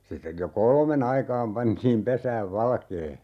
sitten jo kolmen aikaan pantiin pesään valkea